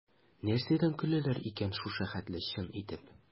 Нәрсәдән көләләр икән шушы хәтле чын итеп?